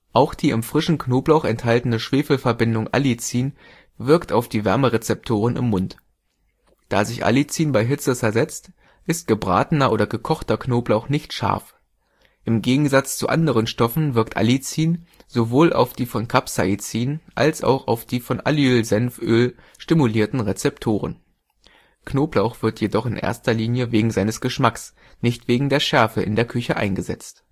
Auch die im frischen Knoblauch enthaltene Schwefelverbindung Allicin wirkt auf die Wärmerezeptoren im Mund. Da sich Allicin bei Hitze zersetzt, ist gebratener oder gekochter Knoblauch nicht scharf. Im Gegensatz zu anderen Stoffen wirkt Allicin sowohl auf die von Capsaicin als auch die von Allyl-Senf-Öl stimulierten Rezeptoren. Knoblauch wird jedoch in erster Linie wegen seines Geschmacks, nicht wegen der Schärfe in der Küche eingesetzt